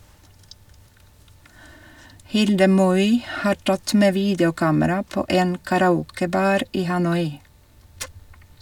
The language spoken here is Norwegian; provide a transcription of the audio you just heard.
Hilde Moi har tatt med videokamera på en karaokebar i Hanoi.